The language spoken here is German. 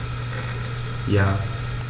Ja.